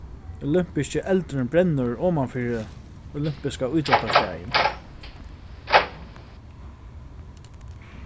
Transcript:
olympiski eldurin brennur oman fyri olympiska ítróttastaðin